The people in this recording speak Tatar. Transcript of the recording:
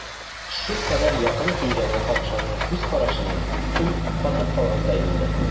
Шулкадәр якын килгән алпамшаның күз карашыннан ул катып калгандай булды.